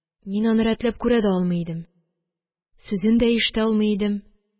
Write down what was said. Мин аны рәтләп күрә дә алмый идем. Сүзен дә ишетә алмый идем.